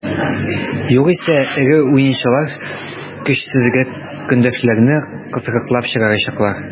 Югыйсә эре уенчылар көчсезрәк көндәшләрне кысрыклап чыгарачаклар.